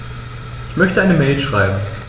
Ich möchte eine Mail schreiben.